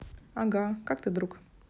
ага как ты друг